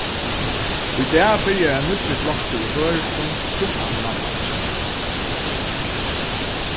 í dag byrjar ein nýggjur flokkur í føroyskum sum annað mál